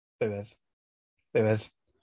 Bear with. Bear with.